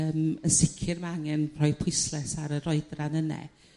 yrm yn sicir ma' angen rhoi pwysles ar yr oedran yne.